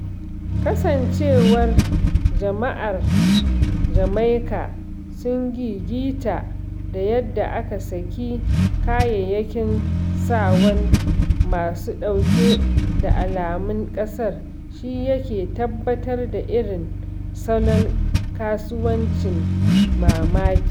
Kasancewar jama'ar Jamaika sun gigita da yadda aka saki kayyakin sawan masu ɗauke da alamun ƙasar shi yake tabbatar da irin salon kasuwancin mamaki.